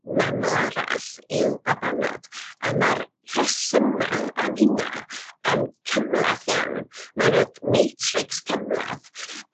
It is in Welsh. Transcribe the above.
maml arall i'w babanod a ma'r rhesyma am hynna yn cymlath iawn ma' 'na matrics cymleth